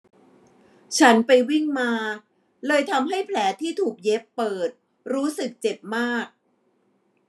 ฉันไปวิ่งมาเลยทำให้แผลที่ถูกเย็บเปิดรู้สึกเจ็บมาก